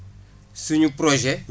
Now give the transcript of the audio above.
suñu projet